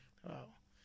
waaw